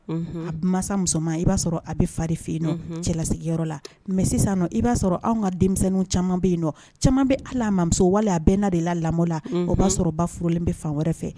A masa musoman i b'a sɔrɔ a bɛ fa de fɛ yen nɔ cɛlasigiyɔrɔ la mais sisan nin nɔ i b'a sɔrɔ anw ka denmisɛnnin caaman bɛ yen nɔ bɛ hali a mɔmuso ,wali a bɛɛna de la lamɔ la, o b'a sɔrɔ ba furulen bɛ fan wɛrɛ fɛ.